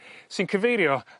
sy'n cyfeirio